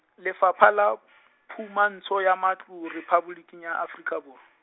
Lefapha la, Phumantsho ya Matlo Rephaboliki ya Afrika Borwa.